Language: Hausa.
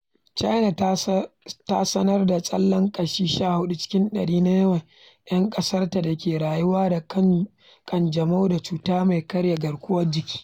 China ta sanar da tsallen kashi 14 cikin ɗari na yawan 'yan ƙasarta da ke rayuwa da ƙanjamu da cuta mai karya garkuwar jiki.